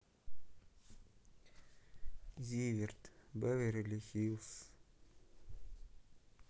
зиверт беверли хилс